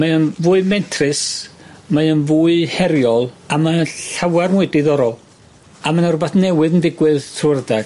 Mae o'n fwy mentrus, mae yn fwy heriol, a mae llawar mwy diddorol, a ma' 'na rwbath newydd yn digwydd trw'r adeg.